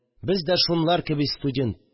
Без дә шулар кеби студент